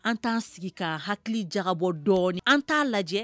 An t'an sigi kaa hakili jabɔ dɔɔni an t'a lajɛ